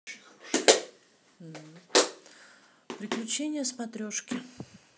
подключение смотрешки